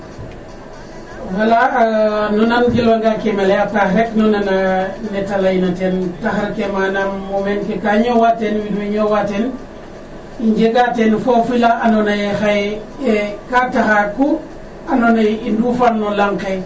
Voila nu nangilwanga kim ale a paax rek nu nan ne ta layna ten taxar ke manam muumeen ke ga ñoowaten, wiin we ñowaten ,i njegaa ten foofi la andoona ye xaye ka taxaa ku andoona yee i ndufaan no lang ke;